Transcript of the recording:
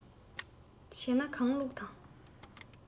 བྱས ན གང བླུགས དང